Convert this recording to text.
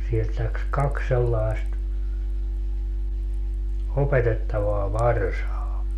sieltä lähti kaksi sellaista opetettavaa varsaa